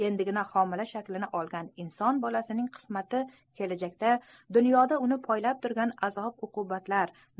endigina homila shaklini olgan inson bolasining qismati kelajakda dunyoda uni poylab turgan azob uqubatlar